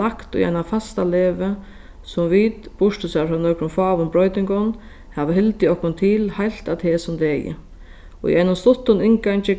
lagt í eina fasta legu sum vit burtursæð frá nøkrum fáum broytingum hava hildið okkum til heilt at hesum degi í einum stuttum inngangi